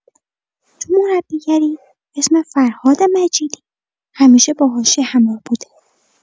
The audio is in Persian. تو مربیگری، اسم فرهاد مجیدی همیشه با حاشیه همراه بوده.